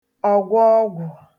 ọ̀gwọọgwụ̀